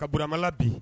Ka Burama laa bin